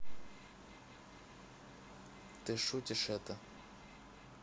ты шутишь это